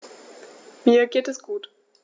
Mir geht es gut.